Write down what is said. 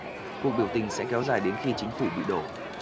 cuộc biểu tình sẽ kéo dài đến khi chính phủ bị đổ